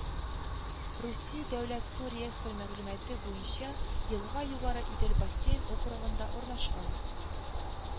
Русия дәүләт су реестры мәгълүматы буенча елга Югары Идел бассейн округында урнашкан